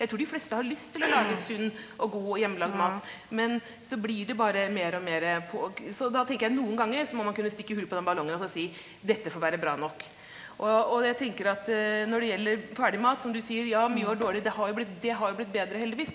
jeg tror de fleste har lyst til å lage sunn og god hjemmelagd mat, men så blir det bare mere og mere på, så da tenker jeg noen ganger så må man kunne stikke hull på den ballongen og så si dette får være bra nok, og og jeg tenker at når det gjelder ferdigmat som du sier, ja mye var dårlig, det har jo blitt det har jo blitt bedre heldigvis.